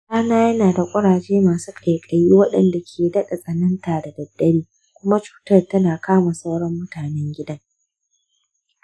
ɗana yana da ƙuraje masu ƙaiƙayi waɗanda ke daɗa tsananta da daddare kuma cutar tana kama sauran mutanen gidan.